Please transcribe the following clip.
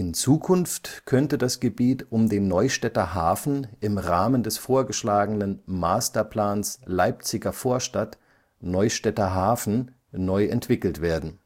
Zukunft könnte das Gebiet um den Neustädter Hafen im Rahmen des vorgeschlagenen Masterplans Leipziger Vorstadt – Neustädter Hafen neu entwickelt werden